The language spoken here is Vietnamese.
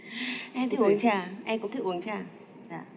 em thích uống trà em cũng thích uống trà dạ